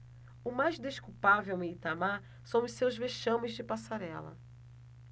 o mais desculpável em itamar são os seus vexames de passarela